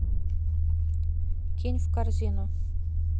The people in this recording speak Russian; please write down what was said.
кинь в корзину